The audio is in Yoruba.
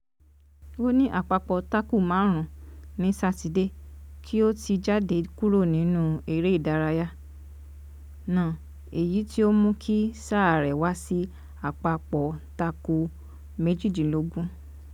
ó ní àpapọ̀ tákù marùn ún ní Sátidé kí ó tí jáde kúrò nínú eré ìdárayá náà, èyí tí ó mú kí sáà rẹ̀ wá sí àpapọ̀ táku 18.